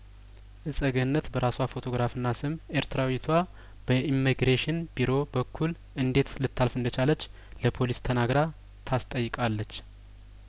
እጸ ገነት በራሷ ፎቶግራፍና ስም ኤርትራዊቷ በኢምግሬሽን ቢሮ በኩል እንዴት ልታልፍ እንደቻለች ለፖሊስ ተናግራ ታስጠይቃለች